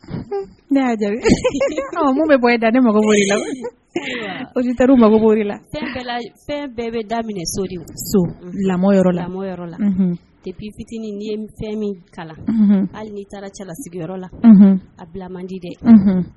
Bɛ bɔ da ne la ota fɛn bɛɛ bɛ daminɛ lamɔ la pbitinin ni ye fɛn min kalan hali taara cɛla sigiyɔrɔ la a bila manji dɛ